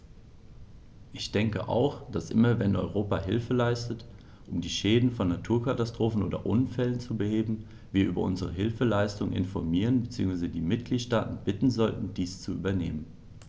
Ich denke auch, dass immer wenn Europa Hilfe leistet, um die Schäden von Naturkatastrophen oder Unfällen zu beheben, wir über unsere Hilfsleistungen informieren bzw. die Mitgliedstaaten bitten sollten, dies zu übernehmen.